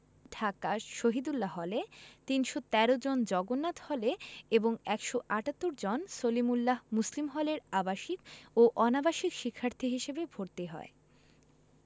ঢাকা শহীদুল্লাহ হলে ৩১৩ জন জগন্নাথ হলে এবং ১৭৮ জন সলিমুল্লাহ মুসলিম হলের আবাসিক ও অনাবাসিক শিক্ষার্থী হিসেবে ভর্তি হয়